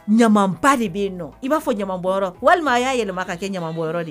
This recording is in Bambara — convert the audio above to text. Ɲamanba de bɛ yen nɔ, i b'a fɔ ɲamanbɔnyɔrɔ, walima a' y'a yɛlɛma ka kɛ ɲamanbɔnyɔrɔ ye